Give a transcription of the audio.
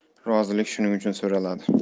rozilik shuning uchun so'raladi